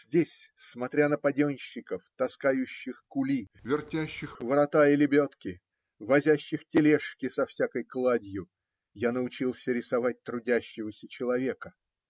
Здесь, смотря на поденщиков, таскающих кули, вертящих ворота и лебедки, возящих тележки со всякой кладью, я научился рисовать трудящегося человека.